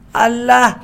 Ala